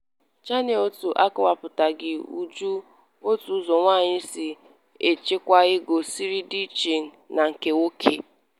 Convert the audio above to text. Channel One akọwapụtaghị n'uju, otu ụzọ nwaanyị si echekwa ego siri dị iche na nke nwoke.